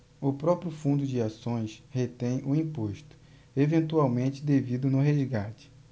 o próprio fundo de ações retém o imposto eventualmente devido no resgate